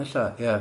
O ella ia.